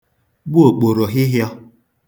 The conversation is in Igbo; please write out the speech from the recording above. gbu òkpòròhịhịọ̄